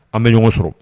An bɛ ɲɔgɔn sɔrɔ